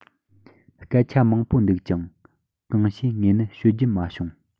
སྐད ཆ མང པོ འདུག ཀྱང གང བྱས ངས ནི ཤོད རྒྱུ མ བྱུང